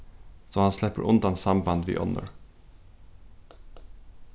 so hann sleppur undan samband við onnur